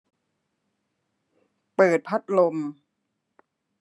เปิดพัดลม